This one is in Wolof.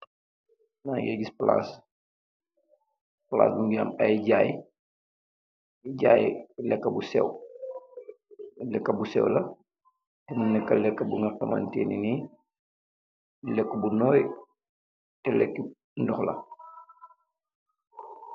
Maangy gis plass, plass bi mungy am aiiy jaiiy, jaiiy lehkah bu sehww, dehka bu sehww la, am lehkue, lehkeh bu nga hamanteh nii lehku bu noiiy teh lehki ndoh la.